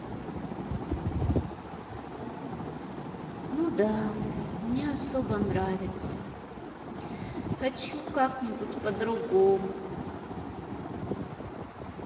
ну да не особо нравится хочу как нибудь по другому